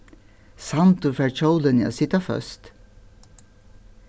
sandur fær hjólini at sita føst